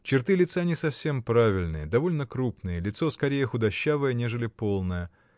Черты лица не совсем правильные, довольно крупные, лицо скорее худощавое, нежели полное.